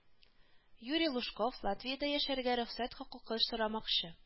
Юрий Лужков Латвиядә яшәргә рөхсәт хокукы сорамакчы